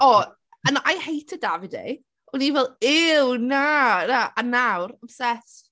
O and I hated Davide. O'n i fel "Ew na na" a nawr obsessed.